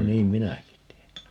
no niin minäkin teen